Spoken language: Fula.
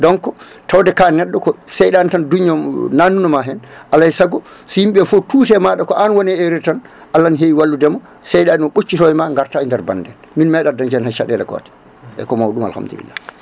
donc tawde ka neɗɗo cheɗade tan duñ nannunoma hen alay saago so yimɓeɓe foof toote maɗa ko an woni e erreur tan Allah ne hewi walludema cheyɗade o ɓoccito ema garta e nder bande en min meeɗa dañde hen hya caɗele gote eyyi ko mawɗum Alhamdulillah